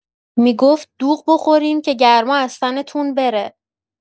می‌گفت دوغ بخورین که گرما از تنتون بره.